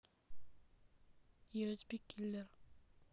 юэсби киллер